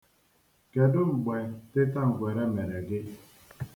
Kedu mgbe tịtaǹgwèrè mere gi?